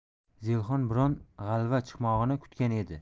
zelixon biron g'alva chiqmog'ini kutgan edi